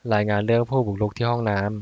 รายงานเรื่องผู้บุกรุกที่ห้องน้ำ